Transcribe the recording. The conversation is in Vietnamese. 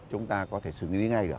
chúng ta có thể xử lý ngay được